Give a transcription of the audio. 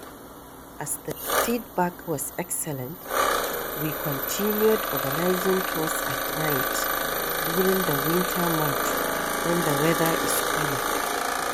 As the feedback was excellent, we continued organizing tours at night during the winter months when the weather is cooler.